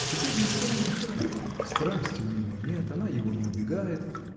Теперь ничто не мешает: страсти у него нет, она его не убегает.